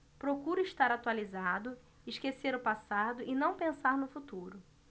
procuro estar atualizado esquecer o passado e não pensar no futuro